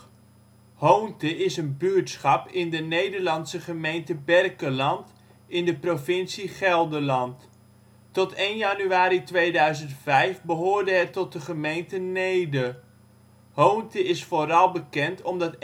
Hoonte is een buurtschap in de Nederlandse gemeente Berkelland in de provincie Gelderland. Tot 1 januari 2005 behoorde het tot de gemeente Neede. Hoonte is vooral bekend omdat